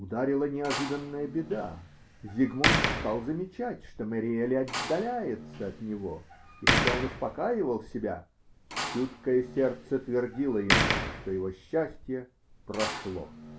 Ударила неожиданная беда: Зигмунт стал замечать, что Мэриели отдаляется от него, и хотя он успокаивал себя, чуткое сердце твердило ему, что его счастье прошло.